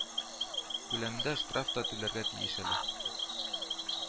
Күләмендә штраф та түләргә тиеш әле